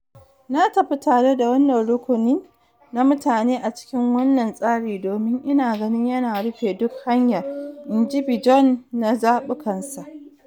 "Na tafi tare da wannan rukuni na mutane a cikin wannan tsari domin ina ganin yana rufe duk hanyar," in ji Bjorn na zabukansa.